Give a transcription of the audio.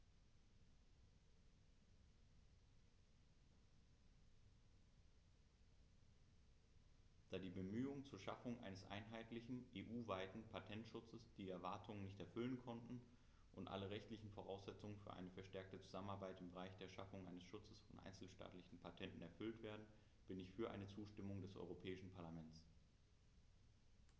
Da die Bemühungen zur Schaffung eines einheitlichen, EU-weiten Patentschutzes die Erwartungen nicht erfüllen konnten und alle rechtlichen Voraussetzungen für eine verstärkte Zusammenarbeit im Bereich der Schaffung eines Schutzes von einzelstaatlichen Patenten erfüllt werden, bin ich für eine Zustimmung des Europäischen Parlaments.